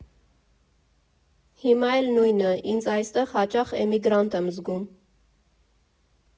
Հիմա էլ նույնը՝ ինձ այստեղ հաճախ էմիգրանտ եմ զգում։